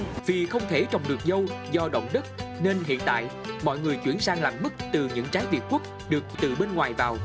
vì không thể trồng được dâu do động đất nên hiện tại mọi người chuyển sang làm mứt từ những trái việt quất được từ bên ngoài vào